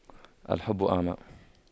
الحب أعمى